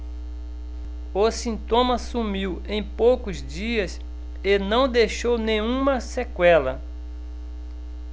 o sintoma sumiu em poucos dias e não deixou nenhuma sequela